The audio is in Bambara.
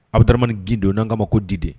A bɛ taamani ni gdo n' k'a ma ko di de